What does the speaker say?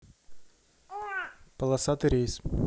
полосатый рельс